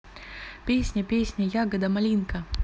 песня песня ягода малинка